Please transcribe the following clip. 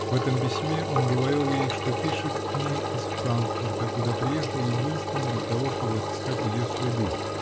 В этом письме он говорил ей, что пишет к ней из Франкфурта, куда приехал единственно для того, чтобы отыскать ее следы